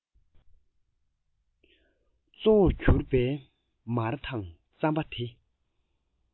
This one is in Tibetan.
གཙོ བོར གྱུར པའི མར དང རྩམ པ དེ